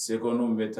Seconde bɛ taa